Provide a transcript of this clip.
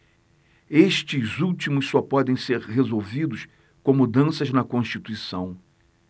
estes últimos só podem ser resolvidos com mudanças na constituição